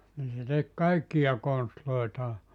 niin se teki kaikkia konstejaan